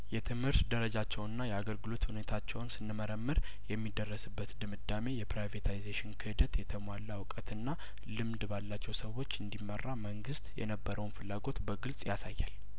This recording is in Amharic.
የትምህርት ደረጃቸውንና የአገልግሎት ሁኔታቸውን ስንመረምር የሚደረስ በት ድምዳሜ የፕራይቬታይዜሽን ክህደት የተሟላ እውቀትና ልምድ ባላቸው ሰዎች እንዲመራ መንግስት የነበረውን ፍላጐት በግልጽ ያሳያል